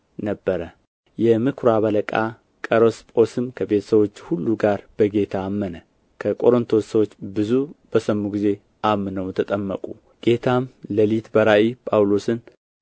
ነበረ የምኵራብ አለቃ ቀርስጶስም ከቤተ ሰዎቹ ሁሉ ጋር በጌታ አመነ ከቆሮንቶስ ሰዎችም ብዙ በሰሙ ጊዜ አምነው ተጠመቁ ጌታም ሌሊት በራእይ ጳውሎስን